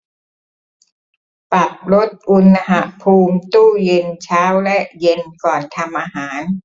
ปรับลดอุณหภูมิตู้เย็นเช้าและเย็นก่อนทำอาหาร